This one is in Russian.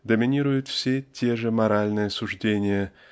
Доминируют все те же моральные суждения